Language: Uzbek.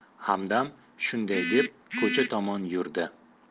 hamdam shunday deb ko'cha tomon yurdi